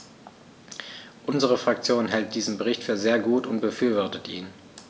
Unsere Fraktion hält diesen Bericht für sehr gut und befürwortet ihn.